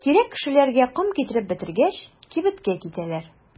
Кирәк кешеләргә ком китереп бетергәч, кибеткә китәләр.